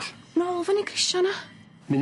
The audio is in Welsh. Nôl fyny grisia na!